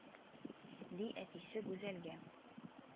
Ди әтисе гүзәлгә